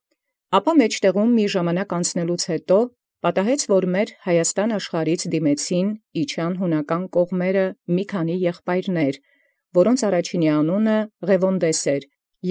Ապա յետ ժամանակի ինչ ընդ մէջ անցելոյ՝ դէպ լինէր ոմանց եղբարց ի Հայաստան աշխարհէս, դիմել իջանել ի կողմանս Յունաց, որ և Ղևոնդէս առաջնոյն անուն էր,